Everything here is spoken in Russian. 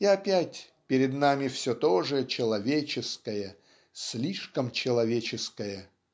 и опять перед нами все то же человеческое, слишком человеческое.